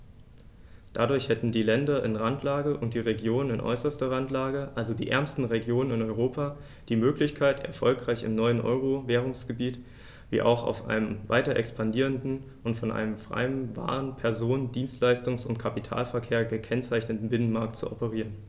Dadurch hätten die Länder in Randlage und die Regionen in äußerster Randlage, also die ärmeren Regionen in Europa, die Möglichkeit, erfolgreich im neuen Euro-Währungsgebiet wie auch auf einem weiter expandierenden und von einem freien Waren-, Personen-, Dienstleistungs- und Kapitalverkehr gekennzeichneten Binnenmarkt zu operieren.